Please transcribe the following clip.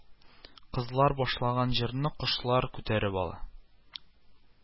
Кызлар башлаган җырны кошлар күтәреп ала